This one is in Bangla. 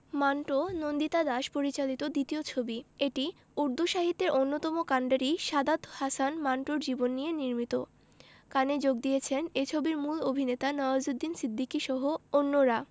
মান্টো নন্দিতা দাস পরিচালিত দ্বিতীয় ছবি এটি উর্দু সাহিত্যের অন্যতম কান্ডারি সাদাত হাসান মান্টোর জীবন নিয়ে নির্মিত কানে যোগ দিয়েছেন এ ছবির মূল অভিনেতা নওয়াজুদ্দিন সিদ্দিকীসহ অন্যরা